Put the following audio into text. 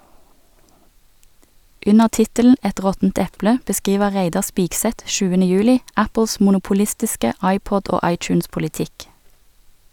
Under tittelen "Et råttent eple" beskriver Reidar Spigseth 7. juli Apples monopolistiske iPod- og iTunes-politikk.